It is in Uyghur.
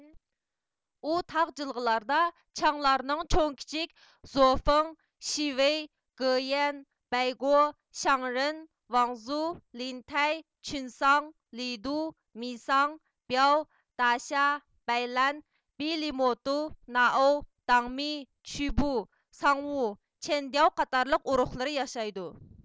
ئۇ تاغ جىلغىلاردا چياڭلارنىڭ چوڭ كىچىك زوفېڭ شىۋېي گېيەن بەيگو شياڭرېن ۋاڭزۇ لىنتەي چۈنساڭ لىدۇ مىساڭ بىياۋ داشيا بەيلەن بىلىموتۇ نائوۋ داڭمى چۈبۇ ساڭۋۇ چيەندىياۋ قاتارلىق ئۇرۇقلىرى ياشايدۇ